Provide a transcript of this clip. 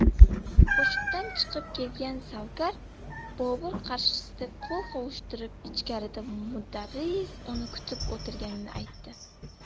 ko'shkdan chiqib kelgan savdar bobur qarshisida qo'l qovushtirib ichkarida mudarris uni kutib o'tirganini aytdi